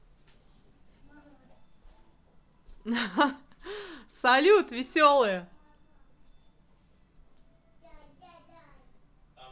салют веселые